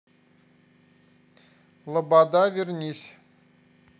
лобода вернись